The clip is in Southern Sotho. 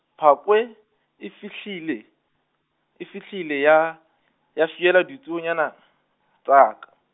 phakwe, e fihlile, e fihlile ya, ya fiela ditsuonyana, tsa ka.